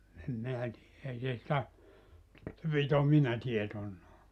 en minä tiedä ei se sitä se piti omina tietoinaan